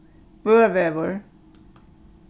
bøvegur